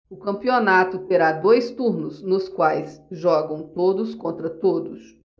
o campeonato terá dois turnos nos quais jogam todos contra todos